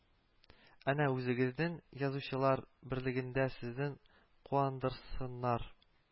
Әнә, үзегезнең Язучылар берлегендә сезне куандырсыннар